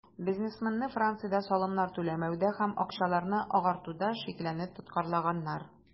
Бизнесменны Франциядә салымнар түләмәүдә һәм акчаларны "агартуда" шикләнеп тоткарлаганнар.